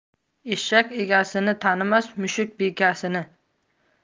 eshak egasini tanimas mushuk bekasini